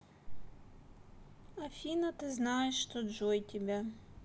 афина ты знаешь что джой тебя